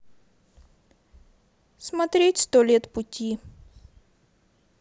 смотреть сто лет пути